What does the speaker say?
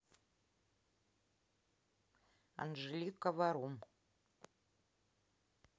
анжелика варум